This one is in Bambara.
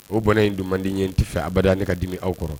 O bɔra in dun man di ɲɛ in tɛ fɛ aba ne ka dimi aw kɔrɔ